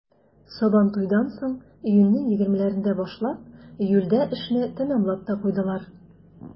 Сабантуйдан соң, июньнең 20-ләрендә башлап, июльдә эшне тәмамлап та куйдылар.